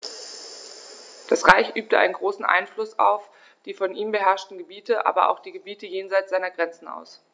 Das Reich übte einen großen Einfluss auf die von ihm beherrschten Gebiete, aber auch auf die Gebiete jenseits seiner Grenzen aus.